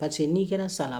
Ka n'i kɛra sa la